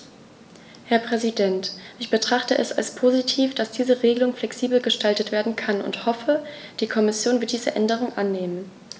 Herr Präsident, ich betrachte es als positiv, dass diese Regelung flexibel gestaltet werden kann und hoffe, die Kommission wird diese Änderung annehmen.